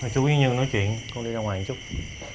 thôi chú với như nói chuyện con đi ra ngoài một chút